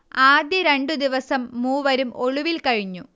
ആദ്യ രണ്ടു ദിവസം മൂവരും ഒളിവിൽ കഴിഞ്ഞു